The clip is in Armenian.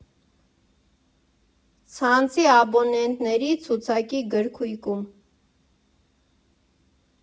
Ցանցի աբոնենտների ցուցակի գրքույկում։